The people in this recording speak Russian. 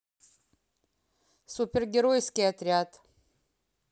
супергеройский отряд